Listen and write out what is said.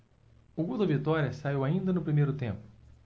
o gol da vitória saiu ainda no primeiro tempo